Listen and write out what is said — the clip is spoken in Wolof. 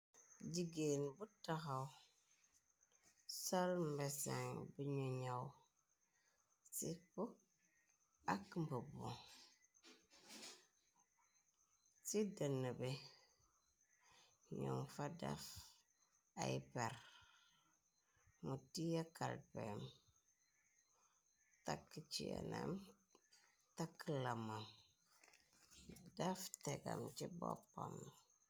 jiggéen bu taxaw sal mbesing biñu ñaw sip ak mbëbu ci dën be ñoom fa daf ay per mu tiya kalpem takk cienem takk lamam daf tegam ci boppam